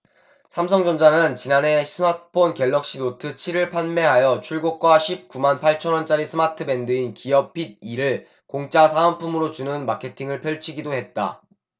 삼성전자는 지난해 스마트폰 갤럭시노트 칠 을 판매하며 출고가 십 구 만 팔천 원짜리 스마트밴드인 기어핏 이 를 공짜 사은품으로 주는 마케팅을 펼치기도 했다